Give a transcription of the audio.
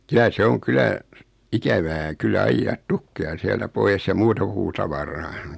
kyllä se on kyllä ikävää kyllä ajaa tukkeja sieltä pois ja muuta puutavaraa